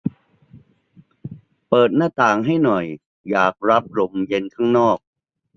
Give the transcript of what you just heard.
เปิดหน้าต่างให้หน่อยอยากรับลมเย็นข้างนอก